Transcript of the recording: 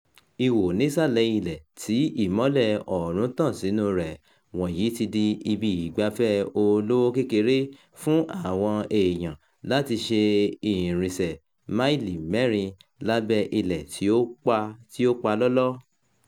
Ihò nísàlẹ̀ ilẹ̀ tí ìmọ́lẹ̀ oòrùn tán sínúu rẹ̀ wọ̀nyí ti di ibi ìgbafẹ́ olówó kékeré fún àwọn èèyàn láti ṣe ìrinsẹ̀ máìlì mẹ́rin lábẹ́ ilẹ̀ tí ó pa lọ́lọ́.